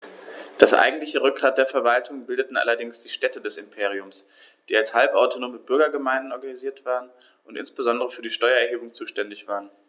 Das eigentliche Rückgrat der Verwaltung bildeten allerdings die Städte des Imperiums, die als halbautonome Bürgergemeinden organisiert waren und insbesondere für die Steuererhebung zuständig waren.